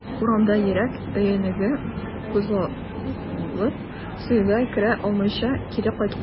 Урамда йөрәк өянәге кузгалып, союзга керә алмыйча, кире кайткан.